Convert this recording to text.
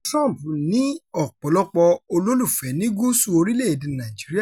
Trump ní ọ̀pọ̀lọpọ̀ olólùfẹ́ ní gúúsù orílẹ̀-èdèe Nàìjíríà